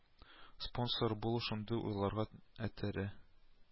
Спонсоры булу шундый уйларга этерә